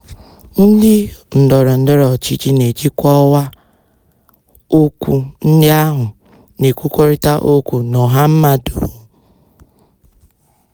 Ndị ndọrọ ndọrọ ọchịchị na-ejikwa ọwa okwu ndị ahụ na-ekwukọrịta okwu n'ọha mmadụ?